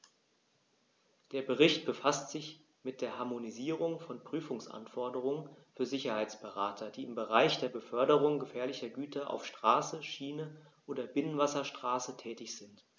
Der Bericht befasst sich mit der Harmonisierung von Prüfungsanforderungen für Sicherheitsberater, die im Bereich der Beförderung gefährlicher Güter auf Straße, Schiene oder Binnenwasserstraße tätig sind.